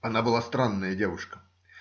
Она была странная девушка.